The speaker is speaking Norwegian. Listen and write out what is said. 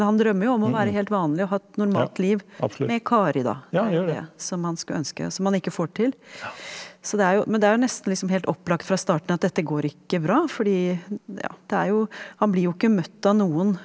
han drømmer jo om å være helt vanlig og ha et normalt liv med Kari da, det er jo det som han skulle ønske som han ikke får til, så det er jo men det er jo nesten liksom helt opplagt fra starten at dette går ikke bra fordi ja det er jo han blir jo ikke møtt av noen.